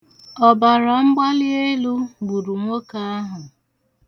Ọbaramgbalielu gburu nwoke ahụ.